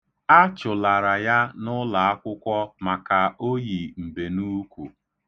A chụlara ya n'ụlaakwụkwọ maka o yi mbenuukwu.